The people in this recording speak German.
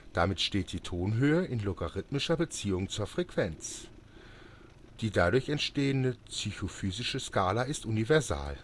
Damit steht die Tonhöhe in logarithmischer Beziehung zur Frequenz. Die dadurch entstehende psychophysische Skala ist universal